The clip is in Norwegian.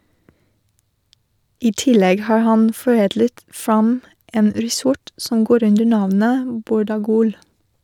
I tillegg har han foredlet fram en rissort som går under navnet "Bordagol".